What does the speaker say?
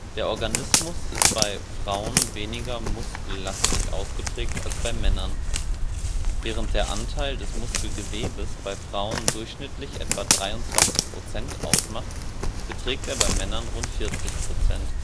Der Organismus ist bei Frauen weniger muskellastig ausgeprägt als bei Männern; während der Anteil des Muskelgewebes bei Frauen durchschnittlich etwa 23 Prozent ausmacht, beträgt er bei Männern rund 40 Prozent